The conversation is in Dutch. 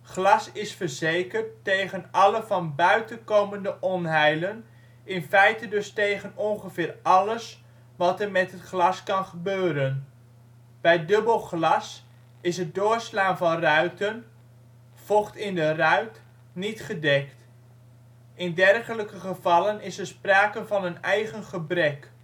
Glas is verzekerd tegen alle van buiten komende onheilen, in feite dus tegen ongeveer alles wat er met het glas kan gebeuren. Bij dubbel glas is het doorslaan van ruiten (vocht in de ruit) niet gedekt. In dergelijke gevallen is er sprake van een eigen gebrek